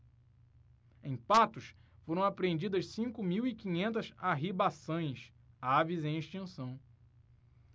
em patos foram apreendidas cinco mil e quinhentas arribaçãs aves em extinção